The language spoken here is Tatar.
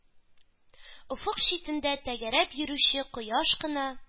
Офык читендә тәгәрәп йөрүче кояш кына,